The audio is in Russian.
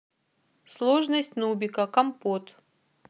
сложность нубика компот